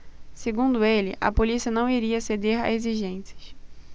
segundo ele a polícia não iria ceder a exigências